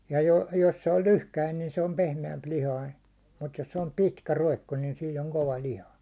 ja - jos se on lyhkäinen niin se on pehmeämpilihainen mutta jos se on pitkä roikko niin siinä on kova liha